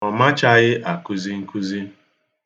Ọ machaghi akụzi nkụzi.